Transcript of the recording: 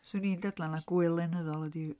'Swn i'n dadlau na gwyl lenyddol ydi hi.